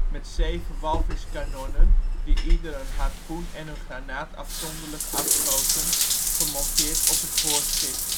met zeven walviskanonnen (die ieder een harpoen en een granaat afzonderlijk afschoten) gemonteerd op het voorschip